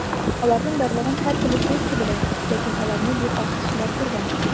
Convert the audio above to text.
Аларның барлыгын һәр полицейский белә, ләкин аларны бик аз кешеләр күргән.